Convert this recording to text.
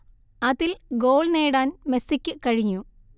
അതിൽ ഗോൾ നേടാൻ മെസ്സിക്ക് കഴിഞ്ഞു